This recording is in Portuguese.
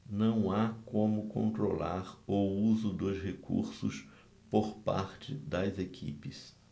não há como controlar o uso dos recursos por parte das equipes